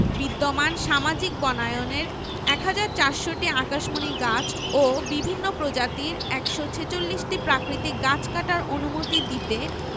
বিদ্যমান সামাজিক বনায়নের ১ হাজার ৪০০টি আকাশমণি গাছ ও বিভিন্ন প্রজাতির ১৪৬টি প্রাকৃতিক গাছ কাটার অনুমতি দিতে